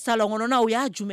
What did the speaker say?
Salan knnɔnaw u y'a jumɛn